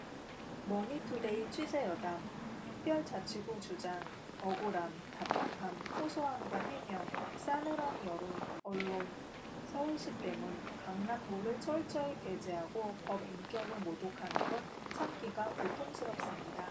머니투데이 취재여담 특별자치구 주장 억울함 답답함 호소한 것 해명 싸늘한 여론 언론 서울시 때문 강남구를 철저히 배제하고 법인격을 모독하는 건 참기가 고통스럽습니다